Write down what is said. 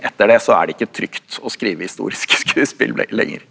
etter det så er det ikke trygt å skrive historiske skuespill lenger.